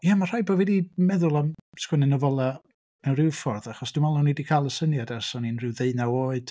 Ia ma' rhaid bo' fi 'di meddwl am sgwennu nofelau mewn ryw ffordd achos dwi'n meddwl o'n i 'di cael y syniad ers o'n i'n rhyw ddeunaw oed.